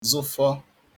zụfọ